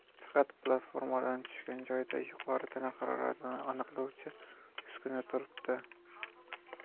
faqat platformadan tushgan joyda yuqori tana haroratini aniqlovchi uskuna turibdi